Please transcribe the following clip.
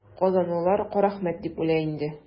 Казанлылар Карәхмәт дип үлә инде.